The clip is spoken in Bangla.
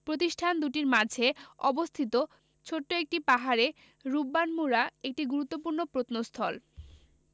প্রতিষ্ঠান দুটির মাঝে অবস্থিত ছোট্ট একটি পাহাড়ে রূপবান মুড়া একটি গুরুত্বপূর্ণ প্রত্নস্থল